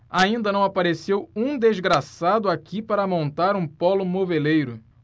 ainda não apareceu um desgraçado aqui para montar um pólo moveleiro